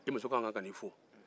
i muso ka kan ka n'i fo